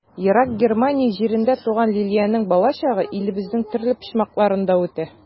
Ерак Германия җирендә туган Лилиянең балачагы илебезнең төрле почмакларында үтә.